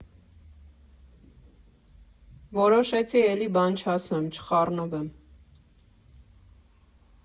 Որոշեցի էլի բամ չասեմ, չխառնվեմ։